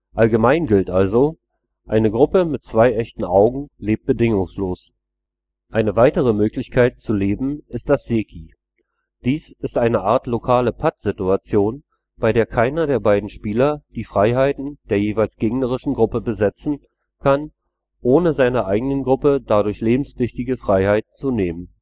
Allgemein gilt also: Eine Gruppe mit zwei „ echten “Augen lebt bedingungslos. Eine weitere Möglichkeit zu leben ist das Seki: Dies ist eine Art lokale Pattsituation, bei der keiner der beiden Spieler die Freiheiten der jeweils gegnerischen Gruppe besetzen kann, ohne seiner eigenen Gruppe dadurch lebenswichtige Freiheiten zu nehmen